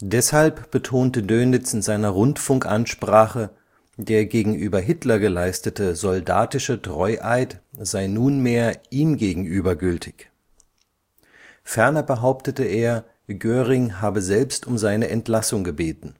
Deshalb betonte Dönitz in seiner Rundfunkansprache, der gegenüber Hitler geleistete soldatische Treueid sei nunmehr ihm gegenüber gültig. Ferner behauptete er, Göring habe selbst um seine Entlassung gebeten.